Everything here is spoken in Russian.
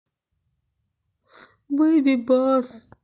бейби бас